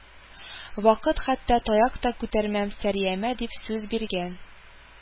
Вакыт хәтта таяк та күтәрмәм сәриямә» дип сүз биргән